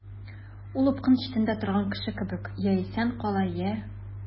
Ул упкын читендә торган кеше кебек— я исән кала, я...